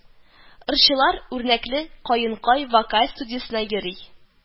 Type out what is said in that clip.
Ырчылар үрнәкле каенкай вокаль студиясенә йөри